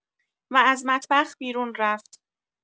و از مطبخ بیرون رفت.